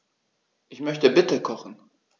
Ich möchte bitte kochen.